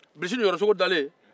bilisi niyɔrɔsogo da len